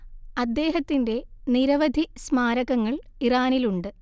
അദ്ദേഹത്തിന്റെ നിരവധി സ്മാരകങ്ങൾ ഇറാനിലുണ്ട്